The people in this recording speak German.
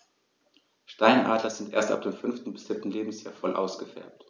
Steinadler sind erst ab dem 5. bis 7. Lebensjahr voll ausgefärbt.